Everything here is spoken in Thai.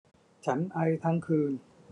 ฉันไอทั้งคืน